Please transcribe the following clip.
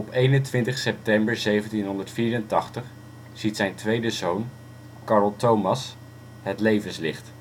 21 september 1784 ziet zijn tweede zoon, Carl Thomas, het levenslicht